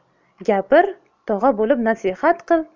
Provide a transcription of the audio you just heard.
gapir tog'a bo'lib nasihat qil